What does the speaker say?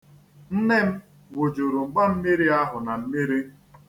Nne m wụjuru mgbammiri ahụ na mmiri.